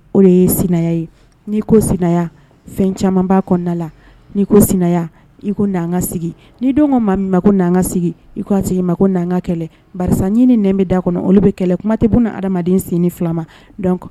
O ye ye n ko fɛn caman'a kɔnɔna ko i ko sigi ni koga sigi i ma koga kɛlɛ ɲini n bɛ da kɔnɔ olu bɛ kɛlɛ kuma tɛ' adamaden sen ni fila ma